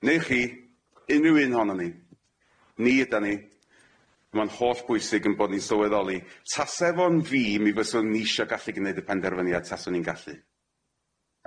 Neu chi, unrhyw un ohonon ni. Ni ydan ni ma'n holl bwysig 'yn bod ni'n sylweddoli tase fo'n fi mi fyswn ni 'sho gallu gneud y penderfyniad taswn i'n gallu.